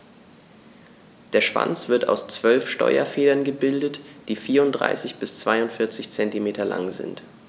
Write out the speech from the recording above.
Der Schwanz wird aus 12 Steuerfedern gebildet, die 34 bis 42 cm lang sind.